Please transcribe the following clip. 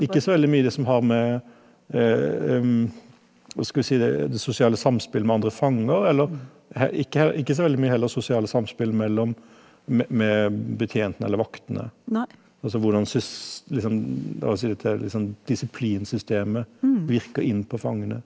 ikke så veldig mye det som har med , hva skal vi si, det det sosiale samspillet med andre fanger, eller ikke ikke så veldig mye heller sosiale samspill mellom med med betjentene eller vaktene, altså hvordan liksom la oss si dette litt sånn disiplinsystemet virker inn på fangene.